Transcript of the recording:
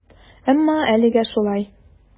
Әмма әлегә шулай.